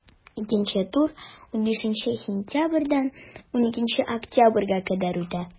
Икенче тур 15 сентябрьдән 12 октябрьгә кадәр үтә.